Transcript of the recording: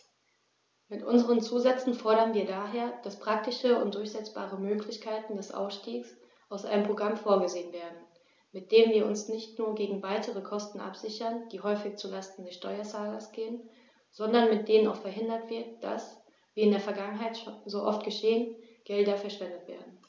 Mit unseren Zusätzen fordern wir daher, dass praktische und durchsetzbare Möglichkeiten des Ausstiegs aus einem Programm vorgesehen werden, mit denen wir uns nicht nur gegen weitere Kosten absichern, die häufig zu Lasten des Steuerzahlers gehen, sondern mit denen auch verhindert wird, dass, wie in der Vergangenheit so oft geschehen, Gelder verschwendet werden.